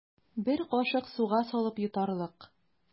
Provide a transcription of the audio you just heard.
Бер кашык суга салып йотарлык.